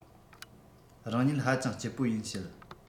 རང ཉིད ཧ ཅང སྐྱིད པོ ཡིན བཤད